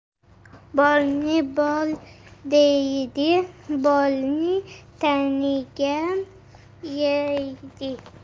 bolni bol deydi bolni tanigan yeydi